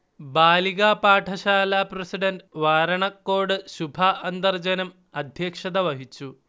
ബാലികാപാഠശാല president Varanakkode Shubha Antharjanam അധ്യക്ഷത വഹിച്ചു